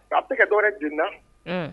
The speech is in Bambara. K a bɛ kɛ dɔwɛrɛ dida